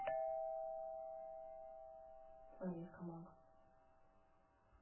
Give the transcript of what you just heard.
воришка макс